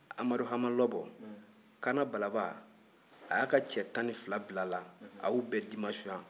amadu hama lɔbɔ kaana balaba a y'a ka cɛ tan ni fila bila a la a y'u bɛɛ dimasonya